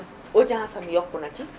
audience am yokku na ci